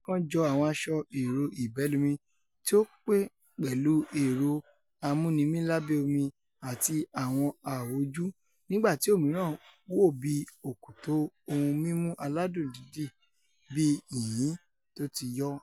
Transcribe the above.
Ìṣẹdá kan jọ àwọn asọ ẹ̀rọ ìbẹ́lumi tí ó pé pẹ̀lu ẹ̀rọ amúnimílábẹ-omi àti àwọn awò ojú, nígbà tí òmíràn wò bíi òkòtó ohun mímu aládùn dídì bíi yìnyín tóti yo.